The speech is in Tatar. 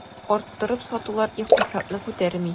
Арттырып сатулар икътисадны күтәрми.